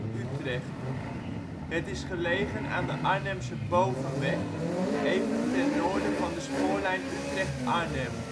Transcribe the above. Utrecht. Het is gelegen aan de Arnhemse Bovenweg even ten noorden van de spoorlijn Utrecht - Arnhem